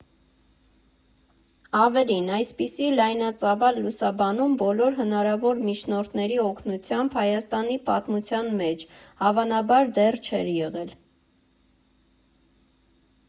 Ավելին՝ այսպիսի լայնածավալ լուսաբանում բոլոր հնարավոր միջնորդների օգնությամբ Հայաստանի պատմության մեջ, հավանաբար, դեռ չէր եղել։